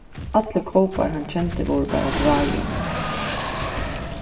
allir kópar hann kendi vóru bara gráir